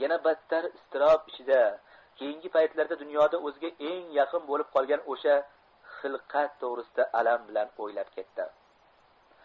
yana badtar iztirob ichida keyingi paytlarda dunyoda o'ziga eng yaqin bo'lib qolgan o'sha xilqat to'g'risida alam bilan o'ylab ketdi